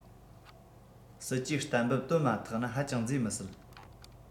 སྲིད ཇུས གཏན འབེབས བཏོན མ ཐག ན ཧ ཅང མཛེས མི སྲིད